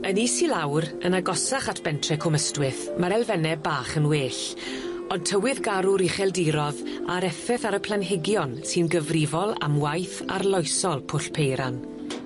Yn is i lawr yn agosach at bentre Cwm Ystwyth ma'r elfenne bach yn well ond tywydd garw'r ucheldirodd a'r effeth ar y planhigion sy'n gyfrifol am waith arloesol Pwll Peiran.